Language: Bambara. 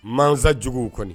Mansa juguw kɔni.